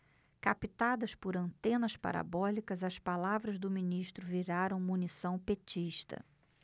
captadas por antenas parabólicas as palavras do ministro viraram munição petista